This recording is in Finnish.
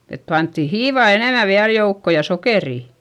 että pantiin hiivaa enemmän vielä joukkoon ja sokeria